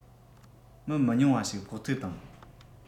མི མི ཉུང བ ཞིག ཕོག ཐུག བཏང